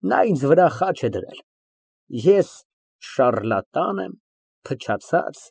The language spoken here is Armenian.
Նա ինձ վրա խաչ է դրել։ Ես շառլատան եմ, փչացած։